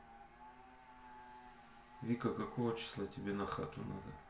вика какого числа тебе на хату надо